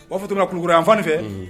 B' fɔ tun kulu kulubali yan fan fɛ